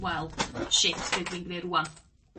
wel shit be' dwi'n gneud rwan.